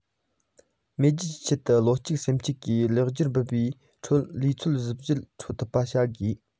མེས རྒྱལ གྱི ཆེད དུ བློ གཅིག སེམས གཅིག གིས ལེགས སྐྱེས འབུལ བའི ཁྲོད ལང ཚོའི གཟི འོད འཕྲོ ཐུབ པ བྱ དགོས